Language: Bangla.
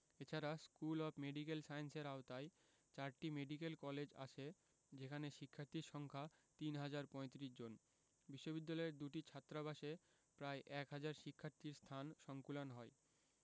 এছাড়া স্কুল অব মেডিক্যাল সায়েন্সের আওতায় চারটি মেডিক্যাল কলেজ আছে যেখানে শিক্ষার্থীর সংখ্যা ৩ হাজার ৩৫ জন বিশ্ববিদ্যালয়ের দুটি ছাত্রাবাসে প্রায় এক হাজার শিক্ষার্থীর স্থান সংকুলান হয়